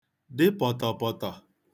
dị pọtọpọtọ